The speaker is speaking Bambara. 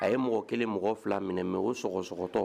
A ye mɔgɔ 1 mɔgɔ 2 minɛ mais u sɔgɔsɔgɔtɔ